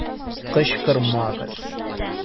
Кычкырмагыз!